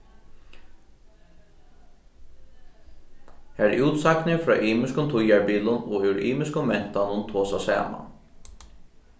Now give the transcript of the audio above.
har útsagnir frá ymiskum tíðarbilum og úr ymiskum mentanum tosa saman